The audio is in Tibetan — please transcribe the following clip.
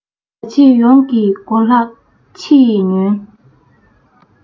བྱ བྱེད ཡོངས ཀྱི མགོ ལྟག ཕྱེ ཡི ཉོན